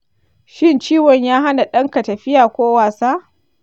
shin ciwon ya hana ɗanka tafiya ko wasa?